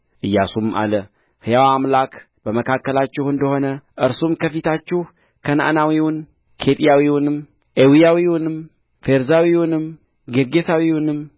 ኢያሱም አለ ሕያው አምላክ በመካከላችሁ እንደ ሆነ እርሱም ከፊታችሁ ከነዓናዊውን ኬጢያዊውንም ኤዊያዊውንም ፌርዛዊውንም ጌርጌሳዊውንም